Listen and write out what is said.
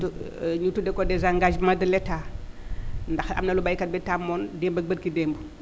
tu ñu tuddee ko desengagement de l' Etat ndax am na lu baykat bi tàmmoon démb ak barki démb